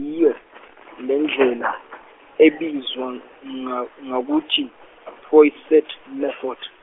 yiyo lendlela ebizwa nga ngokuthi Proyset Method.